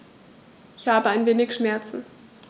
Ich habe ein wenig Schmerzen.